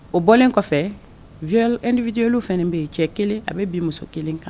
O bɔlen kɔfɛ viole individuelle fɛnɛ bɛ yen, cɛ1 a bɛ bi muso 1 kan